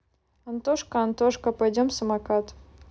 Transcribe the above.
антошка антошка пойдем самокат